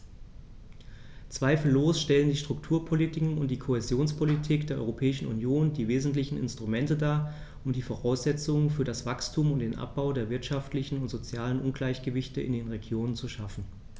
Zweifellos stellen die Strukturpolitiken und die Kohäsionspolitik der Europäischen Union die wesentlichen Instrumente dar, um die Voraussetzungen für das Wachstum und den Abbau der wirtschaftlichen und sozialen Ungleichgewichte in den Regionen zu schaffen.